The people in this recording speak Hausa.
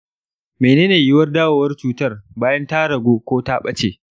mene ne yiwuwar dawowar cutar bayan ta ragu ko ta ɓace?